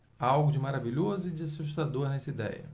há algo de maravilhoso e de assustador nessa idéia